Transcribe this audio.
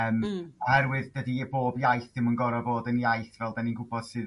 yym oherwydd dydi bob iaith ddim yn go'ro' fod yn iaith fel 'da ni'n gwybod sydd